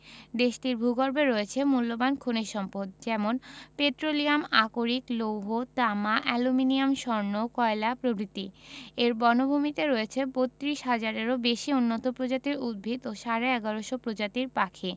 দেশটির ভূগর্ভে রয়েছে মুল্যবান খনিজ সম্পদ যেমন পেট্রোলিয়াম আকরিক লৌহ তামা অ্যালুমিনিয়াম স্বর্ণ কয়লা প্রভৃতি এর বনভূমিতে রয়েছে ৩২ হাজারেরও বেশি উন্নত প্রজাতির উদ্ভিত ও সাড়ে ১১শ প্রজাতির পাখি